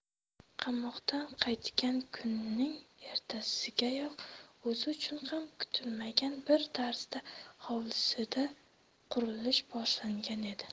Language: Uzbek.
qamoqdan qaytgan kunning ertasigayoq o'zi uchun ham kutilmagan bir tarzda hovlisida qurilish boshlangan edi